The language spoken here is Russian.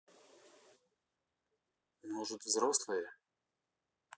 может взрослые